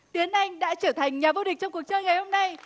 tiến anh đã trở thành nhà vô địch trong cuộc chơi ngày hôm nay